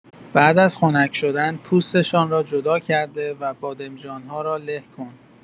بعد از خنک شدن، پوستشان را جدا کرده و بادمجان‌ها را له کن.